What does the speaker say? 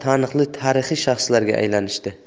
taniqli tarixiy shaxslarga aylanishdi